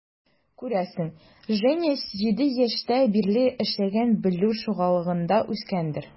Күрәсең, Женя 7 яшьтән бирле эшләгән "Бәллүр" шугалагында үскәндер.